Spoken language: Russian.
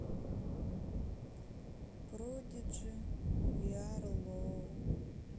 продиджи веар лоу